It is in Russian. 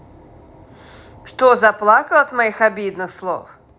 что заплакала да от моих обидных слов